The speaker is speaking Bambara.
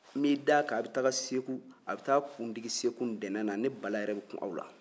n b'i da a kan aw bɛ taga segu a bɛ t'a kun digi segu ntɛnɛn na ne bala yɛrɛ bɛ kun aw la